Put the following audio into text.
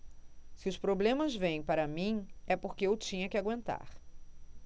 se os problemas vêm para mim é porque eu tinha que aguentar